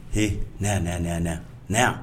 Heyi na yan na yan . Na yan !